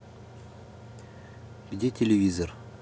где телевизор